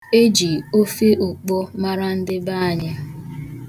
Eji ofe ụkpọ mara ndị be anyị.